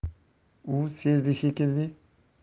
u sezdi shekilli